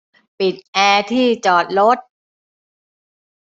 ปิดแอร์ที่จอดรถ